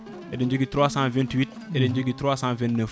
eɗen joogui 328 eɗen joogui 329